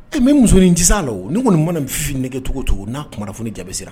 Mɛ bɛ musonin in ci' la ne kɔni mana fi nɛgɛgecogo cogo n'aumana kunnafoni cɛbɛsira